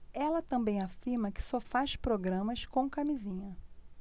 ela também afirma que só faz programas com camisinha